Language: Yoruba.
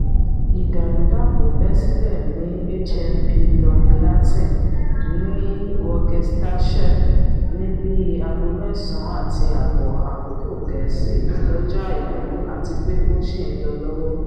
Ìdàrúdàpọ̀ bẹ́ sílẹ̀ ní HMP Long Lartin ní Worcestershire ní bíi aago mẹ́ẹ̀sán àti ààbọ̀ Àkókò Gẹ̀ẹ́sì lọ́jọ́ Àìkú àtipé ó sì ńlọ lọ́wọ́.